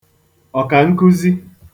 ọ̀kànkụzi